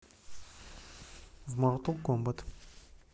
в мортал комбат